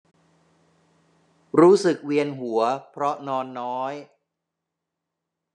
รู้สึกเวียนหัวเพราะนอนน้อย